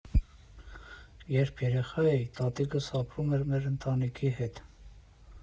«Երբ երեխա էի, տատիկս ապրում էր մեր ընտանիքի հետ։